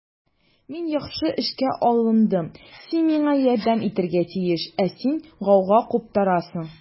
Мин яхшы эшкә алындым, син миңа ярдәм итәргә тиеш, ә син гауга куптарасың.